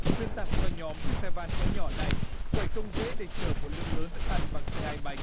quyên tặng cho nhóm chiếc xe van cỡ nhỏ này bởi không dễ để chở một lượng lớn thức ăn bằng xe hai bánh